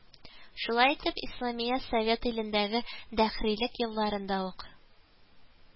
Шулай итеп, Исламия совет илендәге дәһрилек елларында ук